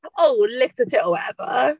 Oh, licked her tit or whatever.